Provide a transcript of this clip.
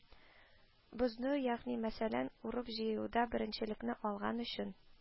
Бозды: ягъни мәсәлән, урып-җыюда беренчелекне алган өчен